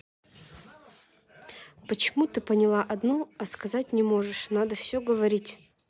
почему ты поняла одну а сказать не можешь надо все говорить